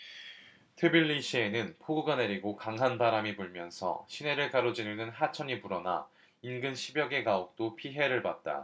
트빌리시에는 폭우가 내리고 강한 바람이 불면서 시내를 가로지르는 하천이 불어나 인근 십 여 개 가옥도 피해를 봤다